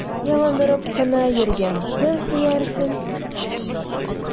Ялындырып кына йөргән кыз диярсең!